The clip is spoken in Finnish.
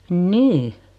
niin